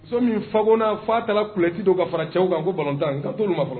So min fako na fo' taaralɛti dɔw ka fara cɛw kan ko batan ka to olu ma fɔlɔ